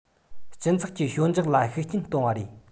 སྤྱི ཚོགས ཀྱི ཞོད འཇགས ལ ཤུགས རྐྱེན གཏོང བ རེད